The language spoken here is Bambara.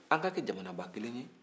an k'a kɛ jamanaba kelen ye